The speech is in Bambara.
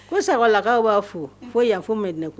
Ko sabalakaw b'a fɔ fo ya ɲɛfɔ md nekura